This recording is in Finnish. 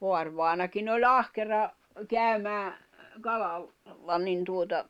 vaarivainajakin oli ahkera käymään - kalalla niin tuota